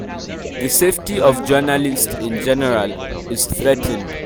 The safety of journalists, in general, is threatened.